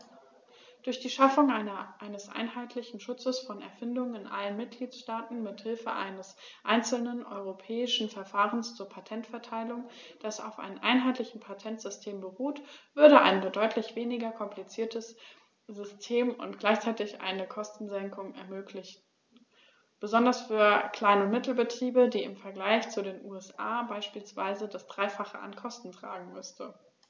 Durch die Schaffung eines einheitlichen Schutzes von Erfindungen in allen Mitgliedstaaten mit Hilfe eines einzelnen europäischen Verfahrens zur Patenterteilung, das auf einem einheitlichen Patentsystem beruht, würde ein deutlich weniger kompliziertes System und gleichzeitig eine Kostensenkung ermöglicht, besonders für Klein- und Mittelbetriebe, die im Vergleich zu den USA beispielsweise das dreifache an Kosten tragen müssen.